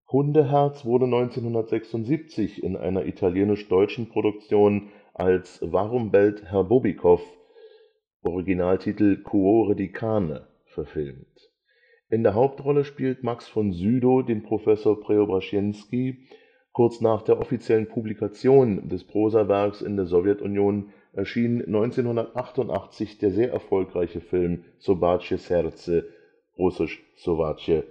Hundeherz wurde 1976 in einer italienisch-deutschen Produktion als Warum bellt Herr Bobikow? (Originaltitel: Cuore di cane) verfilmt. In der Hauptrolle spielte Max von Sydow den Professor Preobrashenski. Kurz nach der offiziellen Publikation des Prosawerks in der Sowjetunion, erschien 1988 der sehr erfolgreiche Film Sobatschje serdze (russisch Собачье